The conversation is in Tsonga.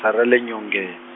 dza ra le nyongen- .